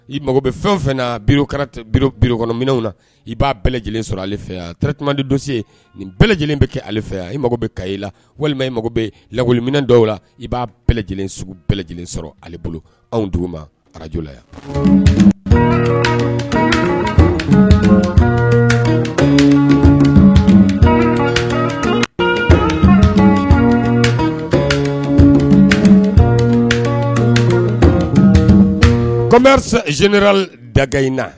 I mago bɛ fɛn fɛn na bikarakɔnɔminw na i b'a bɛɛ lajɛlen sɔrɔ ale fɛ yan teriretumadi dɔse nin bɛɛ lajɛlen bɛ kɛ ale fɛ yan i mago bɛ kay la walima i mago bɛ lakɔliminɛ dɔw la i b'a bɛɛ lajɛlen s bɛɛ lajɛlen sɔrɔ ale bolo anw dugu ma arajla yan kɔmi zera dagay in na